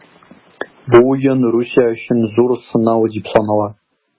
Бу уен Русия өчен зур сынау дип санала.